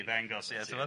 i ddangos ia ti'bod?